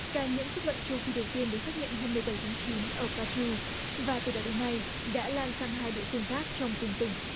ca nhiễm sốt lợn châu phi đầu tiên được xác nhận hôm mười bảy tháng chín ở pa chu và từ đó đến nay đã lan sang hai địa phương khác trong cùng tỉnh